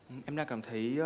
em đang cảm thấy